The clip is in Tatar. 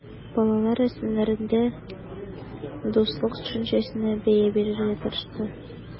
Балалар рәсемнәрендә дуслык төшенчәсенә бәя бирергә тырышты.